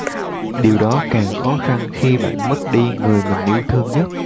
điều đó càng khó khăn khi bạn mất đi người mình yêu thương nhất